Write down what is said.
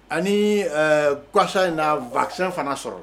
Anisa in na basɛ fana sɔrɔ